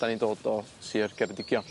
'Dan ni'n dod o Sir Geredigion.